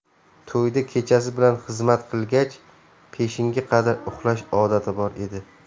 to'yda kechasi bilan xizmat qilgach peshinga qadar uxlash odati bor edi